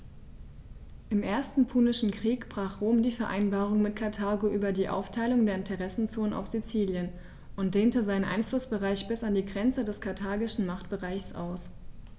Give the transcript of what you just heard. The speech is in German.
Im Ersten Punischen Krieg brach Rom die Vereinbarung mit Karthago über die Aufteilung der Interessenzonen auf Sizilien und dehnte seinen Einflussbereich bis an die Grenze des karthagischen Machtbereichs aus.